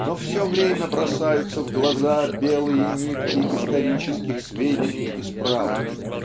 -- но все время бросаются в глаза белые нитки исторических сведений и справок.